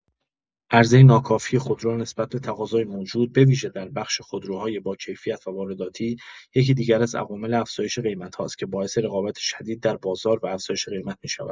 عرضه ناکافی خودرو نسبت به تقاضای موجود، به‌ویژه در بخش خودروهای باکیفیت و وارداتی، یکی دیگر از عوامل افزایش قیمت‌هاست که باعث رقابت شدید در بازار و افزایش قیمت می‌شود.